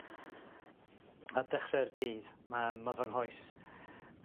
Ar dechre'r dydd ma' ma' fy nghoes